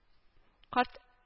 Карт